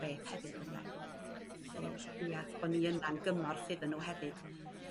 beth hefyd ynde? 'Llu ia bo' ni yna yn gymorth iddyn n'w hefyd.